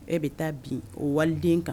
E bɛ taa bin o waliden kan